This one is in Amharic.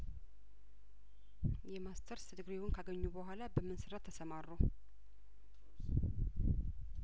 የማስተርስ ዲግሪዎን ካገኙ በኋላ በምን ስራ ተሰማሩ